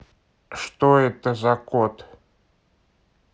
что это за код